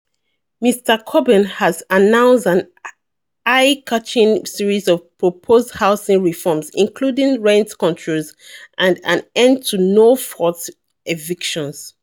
Mr Corbyn has announced an eye-catching series of proposed housing reforms, including rent controls and an end to "no-fault" evictions.